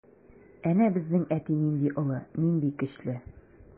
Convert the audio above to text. Әнә безнең әти нинди олы, нинди көчле.